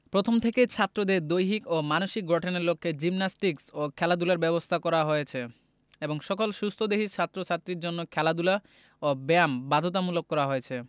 প্রথম থেকেই ছাত্রদের দৈহিক ও মানসিক গঠনের লক্ষ্যে জিমনাস্টিকস ও খেলাধুলার ব্যবস্থা রাখা হয়েছে এবং সকল সুস্থদেহী ছাত্র ছাত্রীর জন্য খেলাধুলা ও ব্যায়াম বাধ্যতামূলক করা হয়েছে